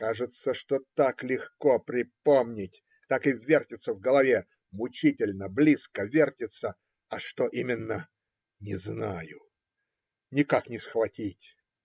Кажется, что так легко при-, помнить, так и вертится в голове, мучительно близко вертится, а что именно не знаю. Никак не схватить.